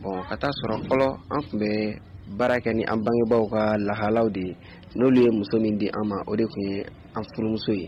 Bon ka taa sɔrɔ fɔlɔ an tun bɛ baara kɛ ni an bangebaw ka lahalalaw de ye n'o de ye musosonin di an ma o de tun ye an furumuso ye